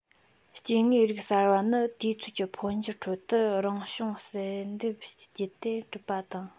སྐྱེ དངོས རིགས གསར པ ནི དུས ཚོད ཀྱི འཕོ འགྱུར ཁྲོད དུ རང བྱུང བསལ འདེམས བརྒྱུད དེ གྲུབ པ དང